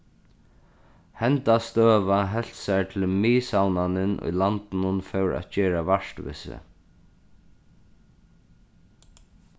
henda støða helt sær til miðsavnanin í landinum fór at gera vart við seg